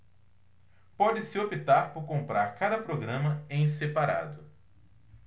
pode-se optar por comprar cada programa em separado